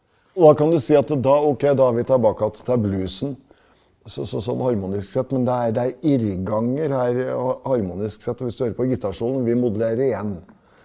og da kan du si at da ok da er vi tilbake til bluesen så så sånn harmonisk sett, men det er det er irrganger her harmonisk sett og hvis du hører på gitarsolen, vi modulerer igjen.